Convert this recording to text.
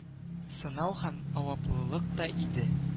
Сынау һәм аваплылык та иде